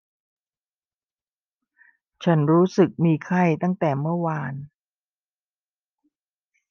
ฉันรู้สึกมีไข้ตั้งแต่เมื่อวาน